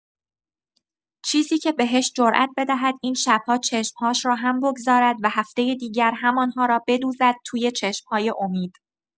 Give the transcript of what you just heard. چیزی که بهش جرئت بدهد این شب‌ها چشم‌هاش را هم بگذارد و هفتۀ دیگر همان‌ها را بدوزد توی چشم‌های امید.